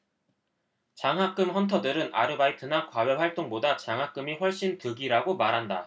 장학금 헌터들은 아르바이트나 과외 활동보다 장학금이 훨씬 득이라고 말한다